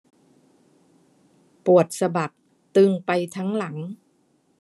ปวดสะบักตึงไปทั้งหลัง